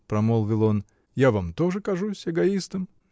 -- промолвил он, -- я вам тоже кажусь эгоистом?